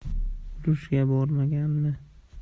urushga bormaganmi